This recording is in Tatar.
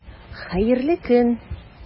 Хәерле көн!